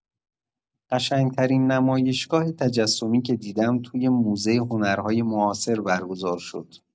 قشنگ‌ترین نمایشگاه تجسمی که دیدم توی موزه هنرای معاصر برگزار شد.